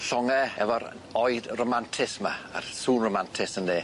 Llonge efo'r oed romantus 'ma a'r sŵn romantus ynde?